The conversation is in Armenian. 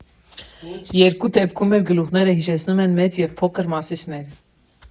Երկու դեպքում էլ գլուխները հիշեցնում են մեծ և փոքր Մասիսները։